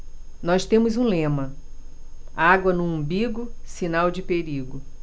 nós temos um lema água no umbigo sinal de perigo